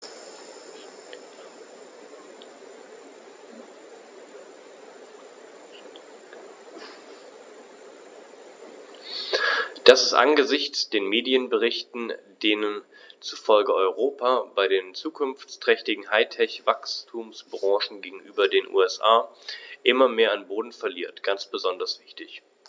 Das ist angesichts von Medienberichten, denen zufolge Europa bei den zukunftsträchtigen High-Tech-Wachstumsbranchen gegenüber den USA immer mehr an Boden verliert, ganz besonders wichtig.